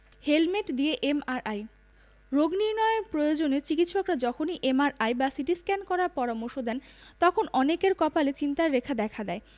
helmet দিয়ে MRI রোগ নির্নয়ের প্রয়োজনে চিকিত্সকরা যখন এমআরআই বা সিটিস্ক্যান করার পরামর্শ দেন তখন অনেকের কপালে চিন্তার রেখা দেখা দেয়